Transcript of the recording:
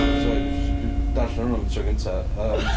Dwi'n sori dwi jyst, dwi darllen hwn am y tro cyntaf yym .